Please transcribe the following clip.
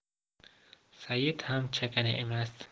sayitt ham chakana emas